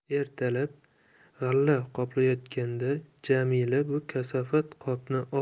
ertalab g'alla qoplayotganda jamila bu kasofat qopni oldi